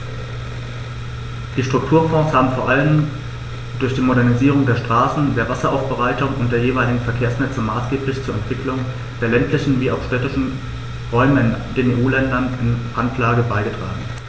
Die Strukturfonds haben vor allem durch die Modernisierung der Straßen, der Wasseraufbereitung und der jeweiligen Verkehrsnetze maßgeblich zur Entwicklung der ländlichen wie auch städtischen Räume in den EU-Ländern in Randlage beigetragen.